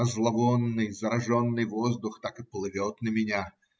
А зловонный, зараженный воздух так и плывет на меня.